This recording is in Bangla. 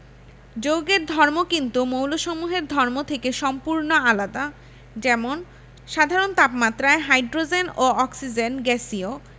যৌগের ধর্ম কিন্তু মৌলসমূহের ধর্ম থেকে সম্পূর্ণ আলাদা যেমন সাধারণ তাপমাত্রায় হাইড্রোজেন ও অক্সিজেন গ্যাসীয়